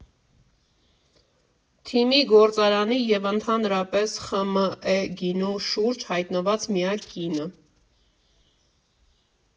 Թիմի, գործարանի և, ընդհանրապես, ԽՄԷ գինու շուրջ հայտնված միակ կինը։